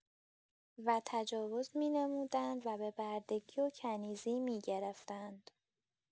و تجاوز می‌نمودند و به بردگی وکنیزی، می‌گرفتند.